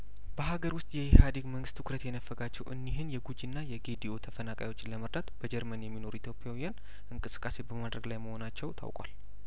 በሀገር ውስጥ የኢህአዴግ መንግስት ትኩረት የነፈጋቸው እኒህን የጉጂና የጌዲኦ ተፈናቃዮችን ለመርዳት በጀርመን የሚኖሩ ኢትዮጵያውያን እንቅስቃሴ በማድረግ ላይ መሆናቸው ታውቋል